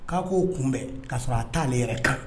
K'a koo kunbɛn k kaa sɔrɔ a taa ale yɛrɛ kan